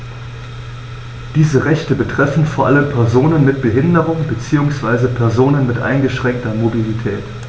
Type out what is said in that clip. Diese Rechte betreffen vor allem Personen mit Behinderung beziehungsweise Personen mit eingeschränkter Mobilität.